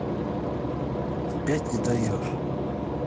опять не даешь